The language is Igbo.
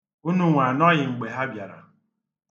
Ununwa anọghị mgbe ha bịara.